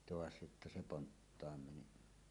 taas jotta se ponttaan meni